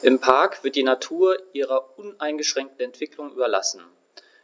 Im Park wird die Natur ihrer uneingeschränkten Entwicklung überlassen;